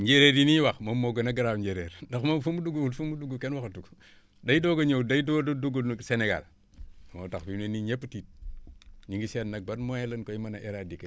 njéeréer yi muy wax moom moo gën a garaaw njéeréer ndax moom fu mu dugg kenn waxatu ko day doog a ñëw day doog a dugg nag Sénégal moo tax fi mu ne nii ñépp tiit ñu ngi seet nag ban moyen lan koy mën a éradiquer